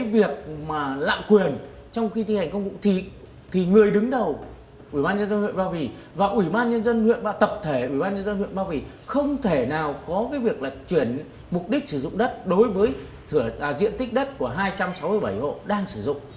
cái việc mà lạm quyền trong khi thi hành công vụ thi thì người đứng đầu ủy ban nhân dân huyện ba vì và ủy ban nhân dân huyện và tập thể ủy ban nhân dân huyện ba vì không thể nào có cái việc là chuyển mục đích sử dụng đất đối với thửa à diện tích đất của hai trăm sáu mươi bảy hộ đang sử dụng